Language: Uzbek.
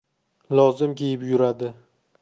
lozim kiyib yuradi